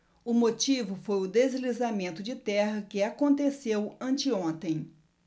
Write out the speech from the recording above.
o motivo foi o deslizamento de terra que aconteceu anteontem